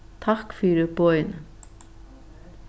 takk fyri boðini